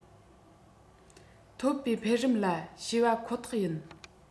ཐོབ པའི འཕེལ རིམ ལ བྱས པ ཁོ ཐག ཡིན